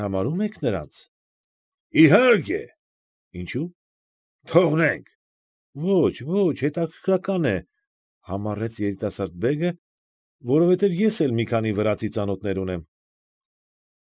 Արհամարհո՞ւմ եք նրանց։ ֊ Իհարկե։ ֊ Ինչո՞ւ։ ֊ Թողնենք։ ֊ Ո՛չ, ո՛չ, հետաքրքրական է,֊ համառեց երիտասարդ բեգը,֊ որովհետև ես էլ մի քանի վրացի ծանոթներ ունեմ։ ֊